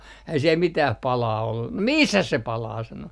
ei siellä mitään paloa ollut no missäs se palaa sanoi